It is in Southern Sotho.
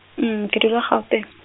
ke dula Gauteng.